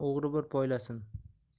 o'g'ri bir poylasin